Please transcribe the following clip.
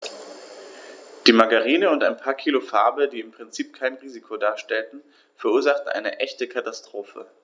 Die Margarine und ein paar Kilo Farbe, die im Prinzip kein Risiko darstellten, verursachten eine echte Katastrophe.